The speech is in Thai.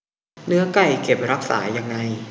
เนื้อไก่เก็บรักษายังไง